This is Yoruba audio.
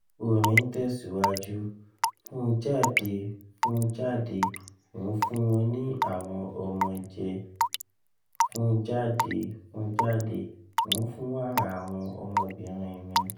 Orin tẹsiwaju: "Fun jade, fun jade, Mo n fun wọn ni awọn ọmọ jẹ, fun jade, fun jade, Mo n fun wara awọn ọmọbinrin mi."